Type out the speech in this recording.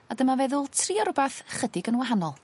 A dyma feddwl trio rwbath chydig yn wahanol.